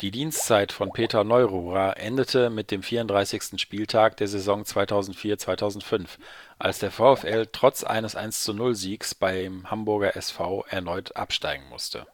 Dienstzeit von Peter Neururer endete mit dem 34. Spieltag der Saison 2004/05, als der VfL trotz eines 1:0-Siegs beim Hamburger SV erneut absteigen musste